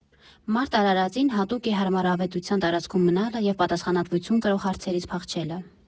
Մարդ արարածին հատուկ է հարմարավետության տարածքում մնալը, և պատասխանատվություն կրող հարցերից փախչելը։